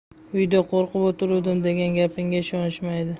uyda qo'rqib o'tiruvdim degan gapingga ishonishmaydi